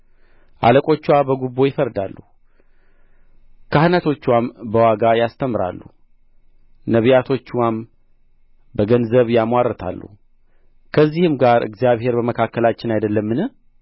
አለቆችዋ በጉቦ ይፈርዳሉ ካህናቶችዋም በዋጋ ያስተምራሉ ነቢያቶችዋም በገንዘብ ያምዋርታሉ ከዚህም ጋር እግዚአብሔር በመካከላችን አይደለምን